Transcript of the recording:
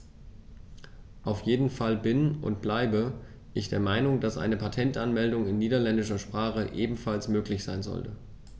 Auf jeden Fall bin - und bleibe - ich der Meinung, dass eine Patentanmeldung in niederländischer Sprache ebenfalls möglich sein sollte.